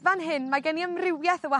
Fan hyn ma' gen i amrywiaeth o wahanol chilis.